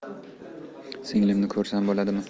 singlimni ko'rsam bo'ladimi